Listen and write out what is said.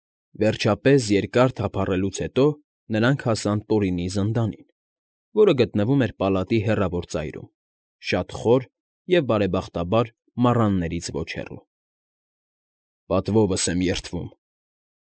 Վերջապես երկար թափառելուց հետո նրանք հասան Տորինի զնդանին, որը գտնվում էր պալատի հեռավոր ծայրում, շատ խոր և, բարեբախտաբար, մառաններից ոչ հեռու։ ֊ Պատվովս եմ երդվում,֊